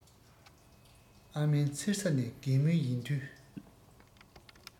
ཨ མའི མཚེར ས ནས རྒས མུས ཡིན དུས